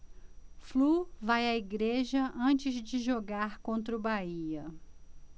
flu vai à igreja antes de jogar contra o bahia